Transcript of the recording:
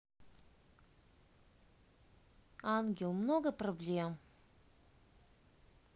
ангел много проблем